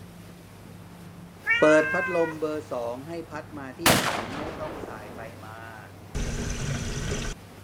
เปิดพัดลมเบอร์สองให้พัดมาที่ฉันไม่ต้องส่ายไปมา